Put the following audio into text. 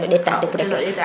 teno ndeta degrés fe